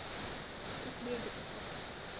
Ich will bitte kochen.